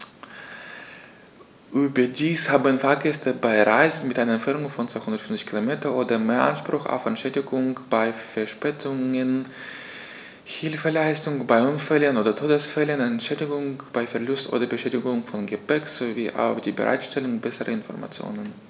Überdies haben Fahrgäste bei Reisen mit einer Entfernung von 250 km oder mehr Anspruch auf Entschädigung bei Verspätungen, Hilfeleistung bei Unfällen oder Todesfällen, Entschädigung bei Verlust oder Beschädigung von Gepäck, sowie auf die Bereitstellung besserer Informationen.